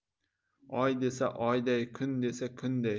oy desa oyday kun desa kunday